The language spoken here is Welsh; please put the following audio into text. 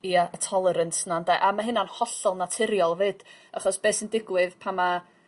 Ia y tolerance 'na 'nde? A ma' hyna'n hollol naturiol 'fyd achos be' sy'n digwydd pan ma'